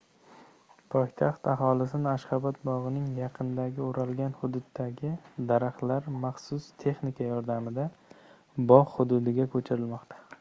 poytaxt aholisini ashxobod bog'ining yaqinidagi o'ralgan hududdagi daraxtlar maxsus texnika yordamida bog' hududiga ko'chirilmoqda